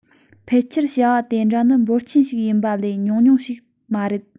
ཕལ ཆེར བྱ བ དེ འདྲ ནི འབོར ཆེན ཞིག ཡིན པ ལས ཉུང ཉུང ཞིག མ རེད